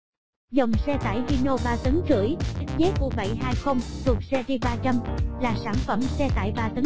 dòng xe tải hino tấn rưỡi xzu thuộc series là sản phẩm xe tải tấn